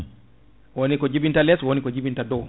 woni ko jiibinta less woni ko jiibinta dow